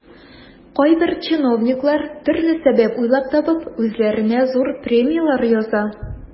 Кайбер чиновниклар, төрле сәбәп уйлап табып, үзләренә зур премияләр яза.